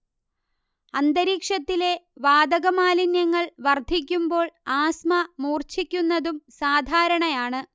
അന്തരീക്ഷത്തിലെ വാതകമാലിന്യങ്ങൾ വർദ്ധിക്കുമ്പോൾ ആസ്മ മൂർച്ഛിക്കുന്നതും സാധാരണയാണ്